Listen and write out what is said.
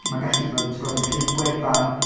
Mae'n gallu bod yn tibod creu gwefan...